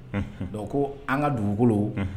Dɔnku ko an ka dugukolo